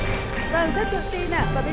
vâng rất tự tin ạ và